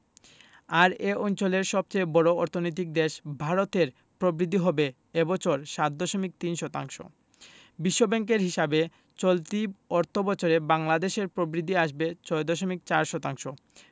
আর এ অঞ্চলের সবচেয়ে বড় অর্থনৈতিক দেশ ভারতের প্রবৃদ্ধি হবে এ বছর ৭.৩ শতাংশ বিশ্বব্যাংকের হিসাবে চলতি অর্থবছরে বাংলাদেশের প্রবৃদ্ধি আসবে ৬.৪ শতাংশ